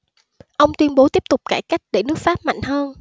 ông tuyên bố tiếp tục cải cách để nước pháp mạnh hơn